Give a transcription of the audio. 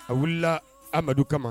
A wulila amadu kama